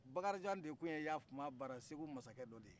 bakarijan de tun ye i y'a faamuya b'ala segu mansakɛ dɔ de ye